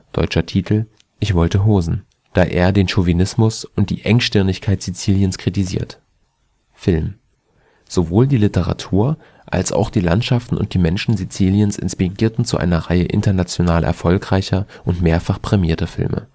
deutscher Titel: Ich wollte Hosen), da er den Chauvinismus und die Engstirnigkeit Siziliens kritisiert. Sowohl die Literatur als auch die Landschaften und die Menschen Siziliens inspirierten zu einer Reihe international erfolgreicher und mehrfach prämierter Filme